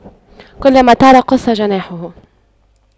كلما طار قص جناحه